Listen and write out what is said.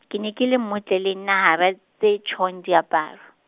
ke ne ke le motle le nna hara, tse tjhong diaparo.